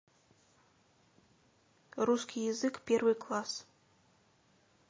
русский язык первый класс